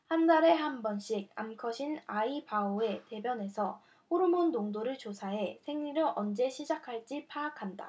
한 달에 한 번씩 암컷인 아이바오의 대변에서 호르몬 농도를 조사해 생리를 언제 시작할지 파악한다